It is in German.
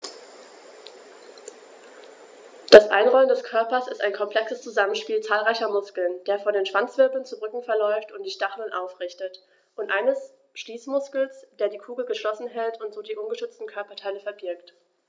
Das Einrollen des Körpers ist ein komplexes Zusammenspiel zahlreicher Muskeln, der von den Schwanzwirbeln zum Rücken verläuft und die Stacheln aufrichtet, und eines Schließmuskels, der die Kugel geschlossen hält und so die ungeschützten Körperteile verbirgt.